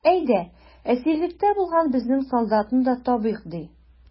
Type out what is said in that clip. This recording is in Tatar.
Әйдә, әсирлектә булган безнең солдатны да табыйк, ди.